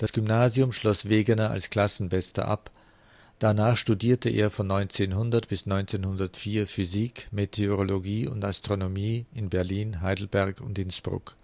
Gymnasium schloss Wegener als Klassenbester ab, danach studierte er von 1900 bis 1904 Physik, Meteorologie und Astronomie in Berlin, Heidelberg und Innsbruck